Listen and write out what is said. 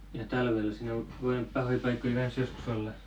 ja talvella siinä voinut pahoja paikkoja kanssa joskus olla